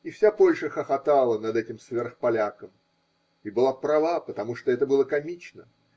И вся Польша хохотала над этим сверхполяком и была права, потому что это было комично.